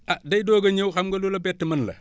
ah day doog a ñëw xam nga lu la bett mën la